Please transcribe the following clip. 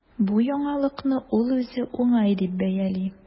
Бу яңалыкны ул үзе уңай дип бәяли.